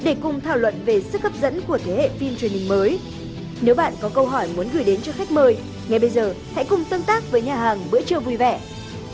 để cùng thảo luận về sức hấp dẫn của thế hệ phim truyền hình mới nếu bạn có câu hỏi muốn gửi đến cho khách mời ngay bây giờ hãy cùng tương tác với nhà hàng bữa trưa vui vẻ